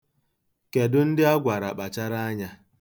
Kedụ ndị a gwara kpachara anya?